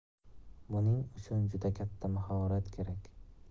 buning uchun juda katta mahorat kerak